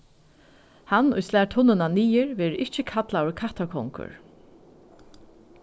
hann ið slær tunnuna niður verður ikki kallaður kattarkongur